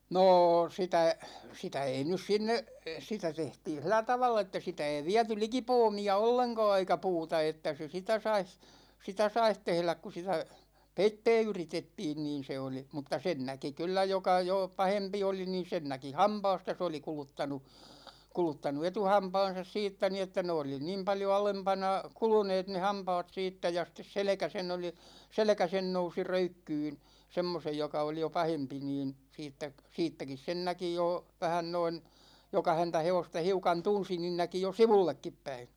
no sitä sitä ei nyt sinne sitä tehtiin sillä tavalla että sitä ei viety liki puomia ollenkaan eikä puuta että se sitä saisi sitä saisi tehdä kun sitä peittää yritettiin niin se oli mutta sen näki kyllä joka jo pahempi oli niin sen näki hampaasta se oli kuluttanut kuluttanut etuhampaansa siitä niin että ne oli niin paljon alempana kuluneet ne hampaat siitä ja sitten selkä sen oli selkä sen nousi röykkyyn semmoisen joka oli jo pahempi niin siitäkin siitäkin sen näki jo vähän noin joka häntä hevosta hiukan tunsi niin näki jo sivullekin päin